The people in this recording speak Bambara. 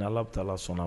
Alahu taala sɔn na